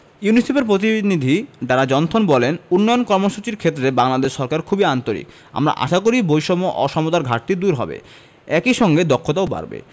ইউনিসেফের প্রতিনিধি Dara Jonathan বলেন উন্নয়ন কর্মসূচির ক্ষেত্রে বাংলাদেশ সরকার খুবই আন্তরিক আমরা আশা করি বৈষম্য অসমতার ঘাটতি দূর হবে একই সঙ্গে দক্ষতাও বাড়বে